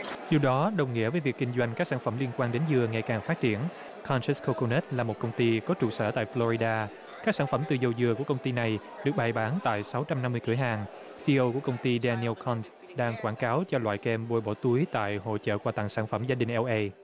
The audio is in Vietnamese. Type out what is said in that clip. điều đó đồng nghĩa với việc kinh doanh các sản phẩm liên quan đến dừa ngày càng phát triển con sớt cô cô nớt là một công ty có trụ sở tại phờ lo ri đa các sản phẩm từ dầu dừa của công ty này được bày bán tại sáu trăm năm mươi cửa hàng xi i âu của công ty đen ni o con còn đang quảng cáo cho loại kem bôi bỏ túi tại hội chợ khoa tặng sản phẩm gia đình eo ây